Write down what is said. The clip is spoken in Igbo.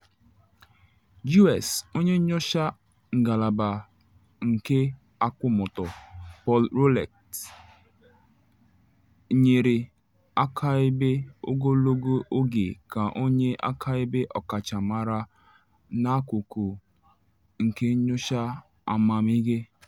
U.S. Onye Nyocha Ngalaba nke Akwụmụtọ Paul Rowlett nyere akaebe ogologo oge ka onye akaebe ọkachamara n’akụkụ nke nyocha amamịghe.